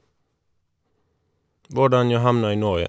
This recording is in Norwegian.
Hvordan jeg havnet i Norge.